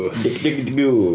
Duck duck du- go.